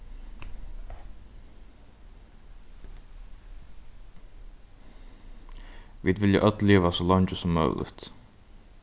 vit vilja øll liva so leingi sum møguligt